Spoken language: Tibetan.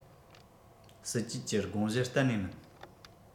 སྲིད ཇུས ཀྱི དགོངས གཞི གཏན ནས མིན